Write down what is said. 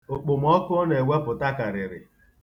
Okpomọkụ ọ na-ewepụta karịrị.